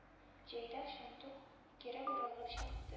Җайдак шундук кире борылып чапты